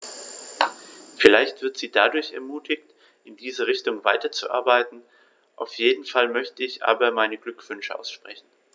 Vielleicht wird sie dadurch ermutigt, in diese Richtung weiterzuarbeiten, auf jeden Fall möchte ich ihr aber meine Glückwünsche aussprechen.